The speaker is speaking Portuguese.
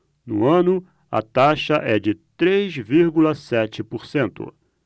no ano a taxa é de três vírgula sete por cento